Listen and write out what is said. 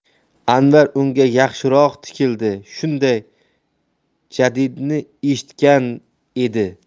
anvar unga yaxshiroq tikildi shunday jadidni eshitgan edi